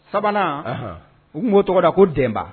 Sabanan u tun o tɔgɔ da ko dba